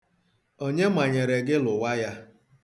Onye manyere gị lụwa ya?